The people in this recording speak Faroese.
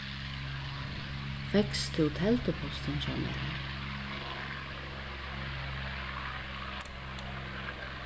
fekst tú teldupostin hjá mær